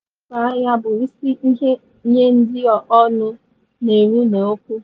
Nleba anya bụ isi ihe nye ndị ọnụ na-eru n'okwu.